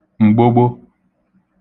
m̀gbogbo